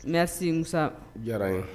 Ne se musan diyara ye